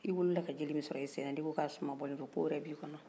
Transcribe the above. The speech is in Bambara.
ni wulila ka joli min sɔrɔ i sen na n' i ko k' o suma bɔlen ko wɛrɛ bɛ i kɔnɔ